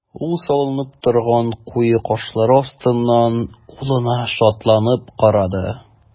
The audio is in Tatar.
Ул салынып торган куе кашлары астыннан улына шатланып карады.